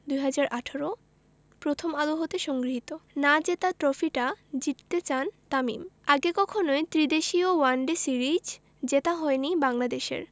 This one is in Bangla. ২০১৮ প্রথম আলো হতে সংগৃহীত না জেতা ট্রফিটা জিততে চান তামিম আগে কখনোই ত্রিদেশীয় ওয়ানডে সিরিজ জেতা হয়নি বাংলাদেশের